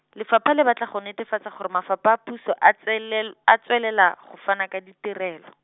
Lefapha le batla go netefatsa gore Mafapha a puso tselel-, a tswelela, go fana ka ditirelo.